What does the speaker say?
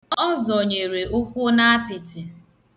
Ọ zọnyere ụkwụ n'apịtị.